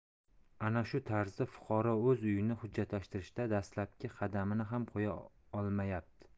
ana shu tarzda fuqaro o'z uyini hujjatlashtirishda dastlabki qadamni ham qo'ya olmayapti